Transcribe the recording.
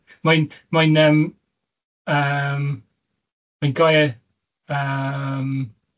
Mae'n mae'n yym yym mae'n gair yym